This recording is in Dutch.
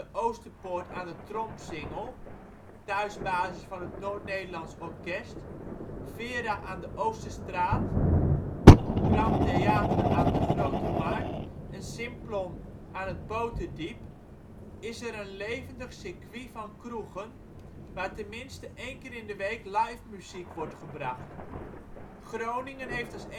Oosterpoort aan de Trompsingel (thuisbasis van het Noord Nederlands Orkest), Vera aan de Oosterstraat, Grand Theatre aan de Grote Markt en Simplon aan het Boterdiep, is er een levendig circuit van kroegen waar tenminste een keer in de week live muziek wordt gebracht. Groningen